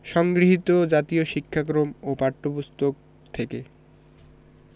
সংগৃহীত জাতীয় শিক্ষাক্রম ও পাঠ্যপুস্তক থেকে